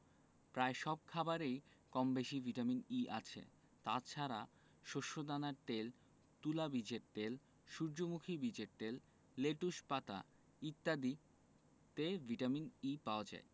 প্রায় সব খাবারেই কমবেশি ভিটামিন E আছে তাছাড়া শস্যদানার তেল তুলা বীজের তেল সূর্যমুখী বীজের তেল লেটুস পাতা ইত্যাদিতে ভিটামিন E পাওয়া যায়